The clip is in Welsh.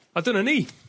A dyna ni